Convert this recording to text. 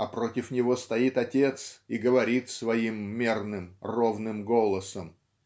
а против него стоит отец и говорит своим мерным ровным голосом